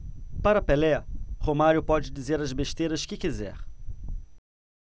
para pelé romário pode dizer as besteiras que quiser